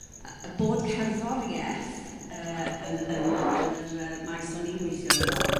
yrr y- bod cerddori'eth yrr yn yn yn yr yyr maes o'n in gweithio 'no 'fo